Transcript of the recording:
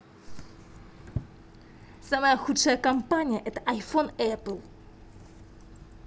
самая худшая компания это iphone apple